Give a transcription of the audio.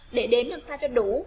để đến được sao cho đủ